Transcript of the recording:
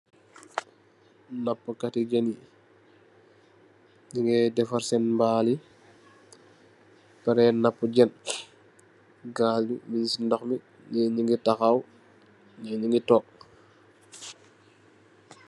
Nappu kat i jën yi, ñu ngee defar seen mbaal yi, paari nappu jën. Gaal yi mung si ndox mi, ñii ñu ngi taxaw, ñii ñu ngi togg.